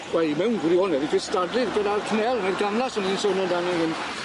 Wel i mewn gwirionedd i gystadlu gyda'r canel ry- y gamlas o'n i'n sôn amdani fun-